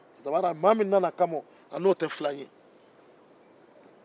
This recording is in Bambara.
mɔgɔ min nana a nɔ fɛ a n'o tɛ filan ye